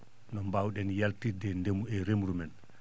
no mbaw?en yaltirde e ndemu e remru men